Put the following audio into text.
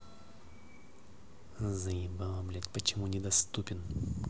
заебала блядь почему недоступен